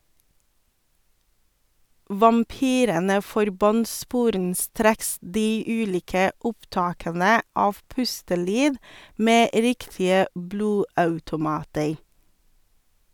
Vampyrene forbant sporenstreks de ulike opptakene av pustelyd med riktige blodautomater.